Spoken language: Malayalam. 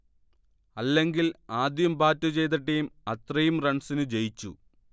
അല്ലെങ്കിൽ ആദ്യം ബാറ്റു ചെയ്ത ടീം അത്രയും റൺസിനു ജയിച്ചു